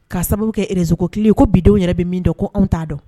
Ka sababu kɛ zko ki ye ko bidenw yɛrɛ bɛ min don ko anw t'a dɔn